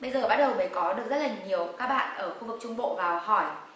bây giờ bắt đầu mới có được rất là nhiều các bạn ở khu vực trung bộ vào hỏi